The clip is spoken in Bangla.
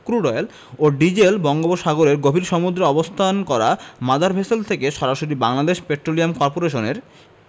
ক্রুড অয়েল ও ডিজেল বঙ্গোপসাগরের গভীর সমুদ্রে অবস্থান করা মাদার ভেসেল থেকে সরাসরি বাংলাদেশ পেট্রোলিয়াম করপোরেশনের